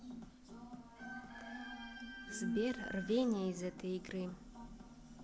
сбер рвение из этой игры